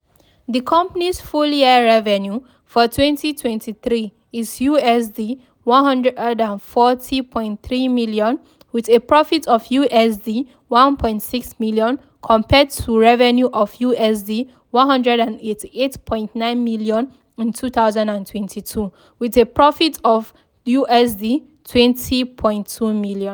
The company’s full-year revenue for 2023 is USD 140.3 million, with a profit of USD 1.6 million, compared to revenue of USD 188.9 million in 2022, with a profit of USD 20.2 million.